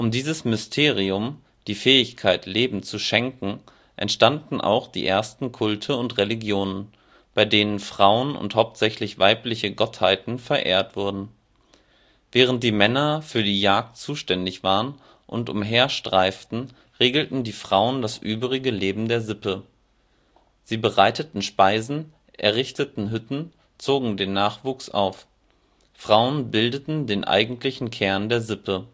dieses Mysterium, die Fähigkeit, Leben zu schenken, entstanden auch die ersten Kulte und Religionen, bei denen Frauen und hauptsächlich weibliche Gottheiten verehrt wurden. Während die Männer für die Jagd zuständig waren und umherstreiften, regelten die Frauen das übrige Leben der Sippe. Sie bereiteten Speisen, errichteten Hütten, zogen den Nachwuchs auf. Frauen bildeten den eigentlichen Kern der Sippe